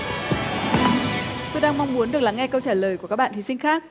đang mong muốn được lắng nghe câu trả lời của các bạn thí sinh khác